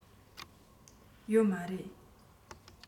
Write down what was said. ཡོད མ རེད